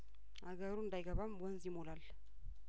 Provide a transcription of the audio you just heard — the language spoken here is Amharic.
አገሩ እንዳይገባም ወንዝ ይሞላል